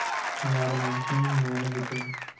hunarmandning noni butun